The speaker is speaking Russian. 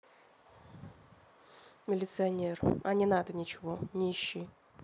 милиционер а не надо ничего не ищи